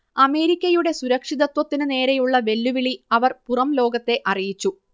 അമേരിക്കയുടെ സുരക്ഷിതത്വത്തിനു നേരെയുള്ള വെല്ലുവിളി അവർ പുറംലോകത്തെ അറിയിച്ചു